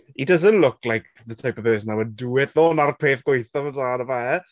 He doesn't look like the type of person that would do it though. 'Na'r peth gwaethaf amdano fe.